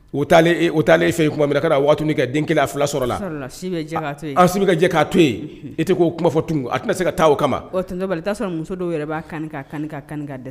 U u taalen e fɛ tuma min ka waatiuni ka den kelen fila sɔrɔ si ka ka to yen e tɛ k'o kuma fɔ tun a tɛna se ka taa o kamaba'a sɔrɔ muso dɔw yɛrɛ b'a kan kan ka kan dɛ